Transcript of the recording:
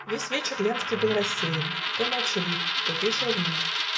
Весь вечер Ленский был рассеян, То молчалив, то весел вновь